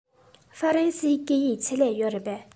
ཧྥ རན སིའི སྐད ཡིག ཆེད ལས ཡོད རེད པས